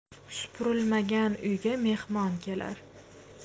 supurilmagan uyga mehmon kelar